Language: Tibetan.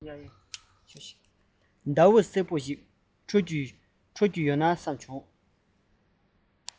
ཟླ འོད གསལ བོ ཞིག འཕྲོས ཡོད རྒྱུ ན ཅི མ རུང